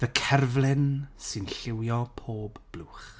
Fy cerflun sy'n lliwio pob blwch.